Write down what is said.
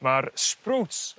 ma'r sbrowts